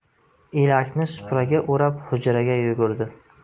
elakni supraga o'rab hujraga yugurdi